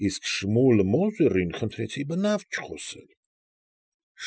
Իսկ Շմուլ Մոզերին խնդրեցի բնավ չխոսել։